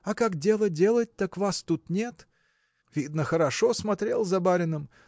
– А как дело делать, так вас тут нет! Видно, хорошо смотрел за барином